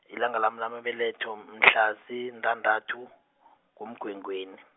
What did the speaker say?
ilanga lami lamabeletho mhlazintandathu , kuMgwengweni.